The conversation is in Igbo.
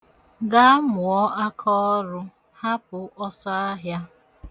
Gaa mụọ akaọrụ, hapụ ọsọahịa.